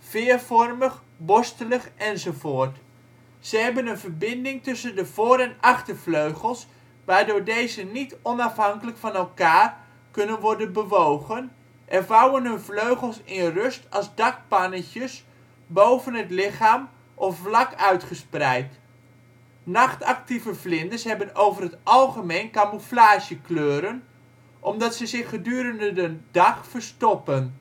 veervormig, borstelig enz. Ze hebben een verbinding tussen de voor - en achtervleugels waardoor deze niet onafhankelijk van elkaar kunnen worden bewogen en vouwen hun vleugels in rust als dakpannetjes boven het lichaam of vlak uitgespreid. Nachtactieve vlinders hebben over het algemeen camouflagekleuren, omdat ze zich gedurende de dag verstoppen